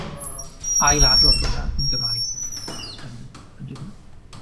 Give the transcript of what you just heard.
ail-adrodd hwnna yn Gymraeg yn yndyn nw?